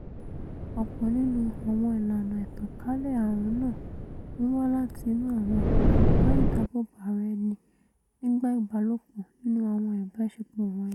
Ọ̀pọ̀ nínú àwọn ọ̀nà ìtànkálẹ̀ ààrùn náà ńwá láti inú àwọn àìtó ìdáààbòbò ara ẹni nígbà ìbálòpọ̀ nínú àwọn ìbáṣepọ̀ wọ̀nyí.